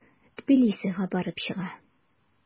Тбилисига барып чыга.